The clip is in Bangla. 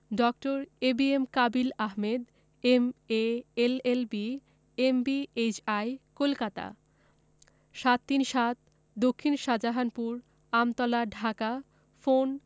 ডাঃ A B M Kabil Ahmed M A L L B M B H I Kolkata ৭৩৭ দক্ষিন শাহজাহানপুর আমতলা ঢাকা ফোনঃ